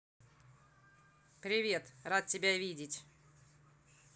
привет рад тебя видеть